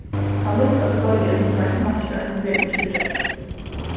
tann lítla skeiðin sum var ein smakkiroynd verður til tríggjar